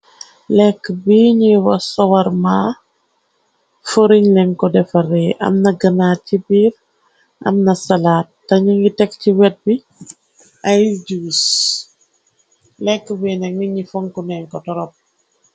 Lekk bi ñi wac sawarma foriñ lenko defar ree amna gënar ci biir am na salaat tañu ngi teg ci wet bi ay jus lekk bi net yi fonkuneenko torop.